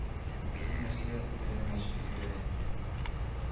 Бөтен нәрсә белән мәчет идарә итә